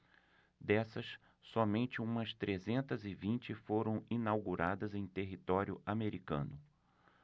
dessas somente umas trezentas e vinte foram inauguradas em território americano